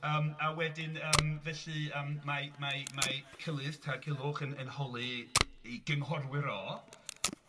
Yym a wedyn yym felly yym mae mae mae Cylidd tad Culhwch yn yn holi ei gynghorwyr o.